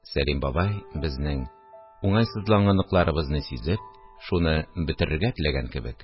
Сәлим бабай, безнең уңайсызланганыбызны сизеп, шуны бетерергә теләгән кебек